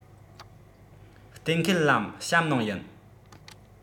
གཏན འཁེལ ལམ གཤམ ནང ཡིན